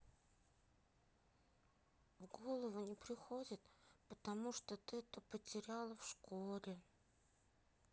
в голову не приходит потому что ты то потеряла в школе